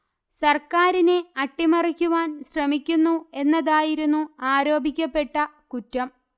സർക്കാരിനെ അട്ടിമറിക്കുവാൻ ശ്രമിക്കുന്നു എന്നതായിരുന്നു ആരോപിക്കപ്പെട്ട കുറ്റം